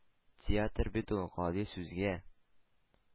Театр бит ул – гади сүзгә